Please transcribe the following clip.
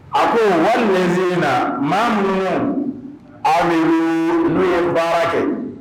A ko walesina, - nu ye baara kɛ.